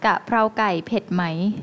กะเพราไก่เผ็ดไหม